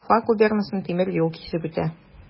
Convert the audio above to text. Уфа губернасын тимер юл кисеп үтә.